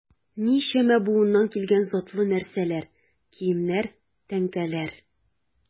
Ничәмә буыннан килгән затлы нәрсәләр, киемнәр, тәңкәләр...